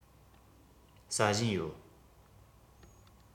ཟ བཞིན ཡོད